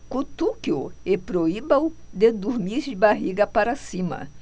cutuque-o e proíba-o de dormir de barriga para cima